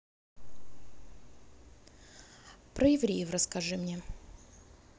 про евреев расскажи мне